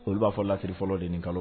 Olu b'a fɔ lakili fɔlɔ de kalo